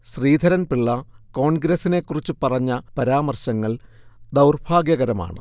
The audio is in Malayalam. ശ്രീധരൻപിള്ള കോൺഗ്രസിനെ കുറിച്ച് പറഞ്ഞ പരാമർശങ്ങൾ ദൗർഭാഗ്യകരമാണ്